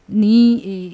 Nin ee